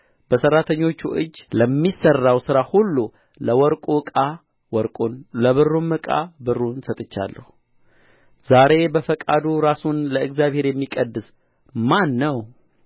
በሠራተኞች እጅ ለሚሠራው ሥራ ሁሉ ለወርቁ ዕቃ ወርቁን ለብሩም ዕቃ ብሩን ሰጥቻለሁ ዛሬ በፈቃዱ ራሱን ለእግዚአብሔር የሚቀድስ ማነው